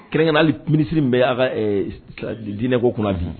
Kɛrɛnkɛ' minisiri bɛ a ka diinɛko kunna bi